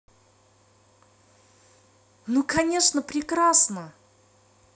ну конечно прекрасно